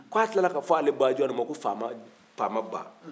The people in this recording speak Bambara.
k'a tilala k'a fɔ ale bajɔni ma ko faama ba